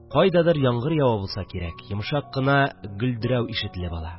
Кайдадыр яңгыр ява булса кирәк, йомшак кына гөлдерәү ишетелеп ала